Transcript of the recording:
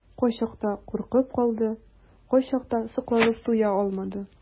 Кайчакта куркып калды, кайчакта сокланып туя алмады.